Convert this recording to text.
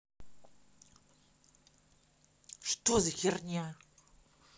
что за херня